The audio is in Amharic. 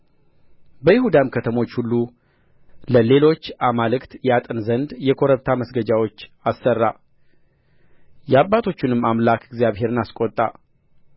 በይሁዳም ከተሞች ሁሉ ለሌሎች አማልክት ያጥን ዘንድ የኮረብታ መስገጃዎች አሠራ የአባቶቹንም አምላክ እግዚአብሔርን አስቈጣ